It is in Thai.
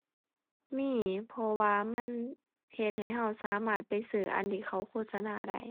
มี เพราะว่ามันเฮ็ดให้เราสามารถไปซื้ออันที่เขาโฆษณาได้